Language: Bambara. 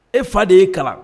E fa de y'e kalan